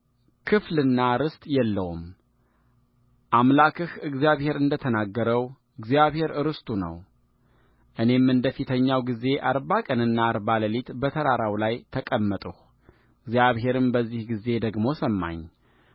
ክፍልና ርስት የለውም አምላክህ እግዚአብሔር እንደ ተናገረው እግዚአብሔር ርስቱ ነው እኔም እንደ ፊተኛው ጊዜ አርባ ቀንና አርባ ሌሊት በተራራው ላይ ተቀመጥሁ እግዚአብሔርም በዚህ ጊዜ ደግሞ ሰማኝ